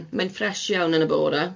Mm ma'n ffresh iawn yn y bore.